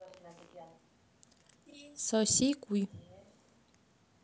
соси хуй